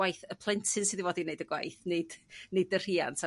gwaith y plentyn sydd i fod i 'neud y gwaith nid nid y rhiant a